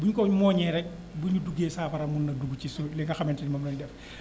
bu ñu ko mooñee rek lu énu duggee saafara mën na dugg ci sunu li nga xamante ni moom lañuy def